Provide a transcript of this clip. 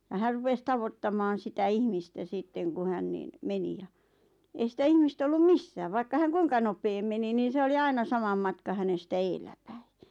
ja hän rupesi tavoittamaan sitä ihmistä sitten kun hän niin meni ja ei sitä ihmistä ollut missään vaikka hän kuinka nopeaan meni niin se oli aina saman matka hänestä edellä päin